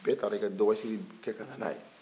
bɛɛ taara i ka dɔgɔsiri kɛ ka na n'a ye